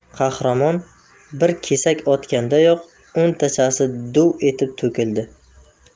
qahramon bir kesak otgandayoq o'ntachasi duv etib to'kildi